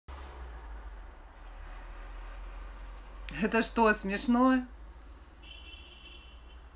это что смешно